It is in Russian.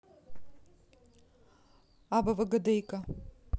абвгдейка